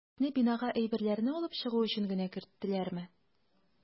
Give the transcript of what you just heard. Сезне бинага әйберләрне алып чыгу өчен генә керттеләрме?